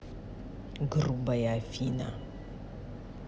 грубая афина